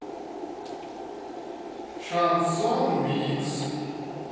шансон микс